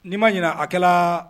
N'i ma ɲin a kɛla